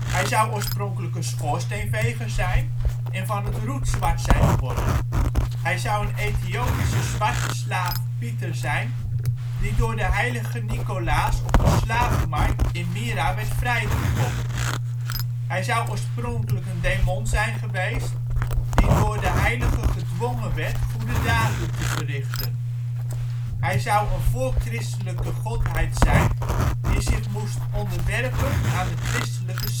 hij zou oorspronkelijk een schoorsteenveger zijn, en van het roet zwart zijn geworden; hij zou een Ethiopische zwarte slaaf Piter zijn die door de heilige Nicolaas op een slavenmarkt in Myra werd vrijgekocht; [noot 5] hij zou oorspronkelijk een demon zijn geweest die door de heilige gedwongen werd goede daden te verrichten; [bron?] hij zou een voorchristelijke godheid zijn die zich moest onderwerpen aan de christelijke